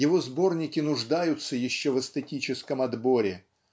Его сборники нуждаются еще в эстетическом отборе.